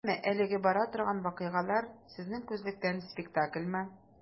Әмма әлегә бара торган вакыйгалар, сезнең күзлектән, спектакльмы?